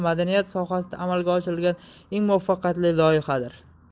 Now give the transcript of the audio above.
madaniyat sohasida amalga oshirilgan eng muvaffaqiyatli loyihadir